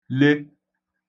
le